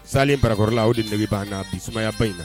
Salen barakɔrɔla o de nege b'an na bi sumayaba in na